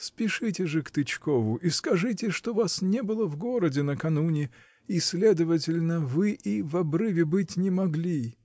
Спешите же к Тычкову и скажите, что вас не было в городе накануне, и, следовательно, вы и в обрыве быть не могли.